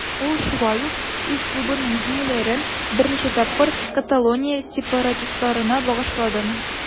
Ул шулай ук үз клубының җиңүләрен берничә тапкыр Каталония сепаратистларына багышлады.